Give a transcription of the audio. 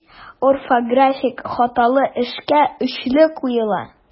Өч орфографик хаталы эшкә өчле куела.